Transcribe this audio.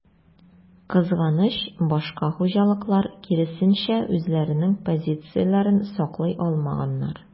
Кызганыч, башка хуҗалыклар, киресенчә, үзләренең позицияләрен саклый алмаганнар.